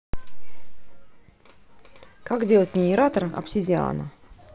как сделать генератор обсидиана